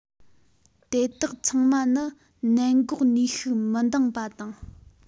དེ དག ཚང མ ནི ནད འགོག ནུས ཤུགས མི འདང པ དང